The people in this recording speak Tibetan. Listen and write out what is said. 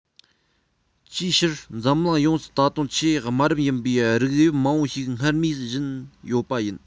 ཅིའི ཕྱིར འཛམ གླིང ཡོངས སུ ད དུང ཆེས དམའ རིམ ཡིན པའི རིགས དབྱིབས མང པོ ཞིག སྔར མུས བཞིན ཡོད པ ཡིན